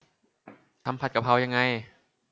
ทำผัดกะเพรายังไง